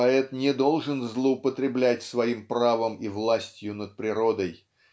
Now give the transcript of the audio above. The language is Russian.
поэт не должен злоупотреблять своим правом и властью над природой